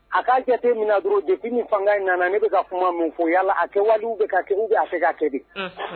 A k'a jate min dɔrɔn jate ni fanga in nana ne bɛka ka kuma min fɔ yalala a kɛ ka kɛ a se ka kɛdi